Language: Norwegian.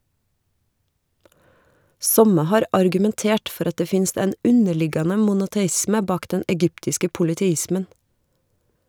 Somme har argumentert for at det finst ein underliggjande monoteisme bak den egyptiske polyteismen.